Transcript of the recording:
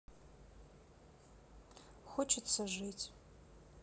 хочется жить